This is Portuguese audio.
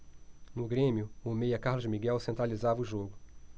no grêmio o meia carlos miguel centralizava o jogo